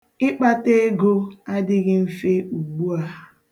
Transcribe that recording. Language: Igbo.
Ịkpata ego adịghị mfe ugbu a.